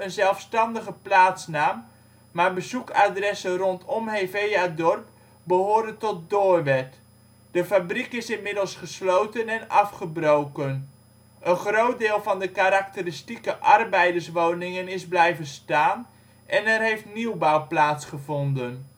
zelfstandige plaatsnaam, maar bezoekadressen rondom Heveadorp behoren tot Doorwerth. De fabriek is inmiddels gesloten en afgebroken. Een groot deel van de karakteristieke arbeiderswoningen is blijven staan en er heeft nieuwbouw plaatsgevonden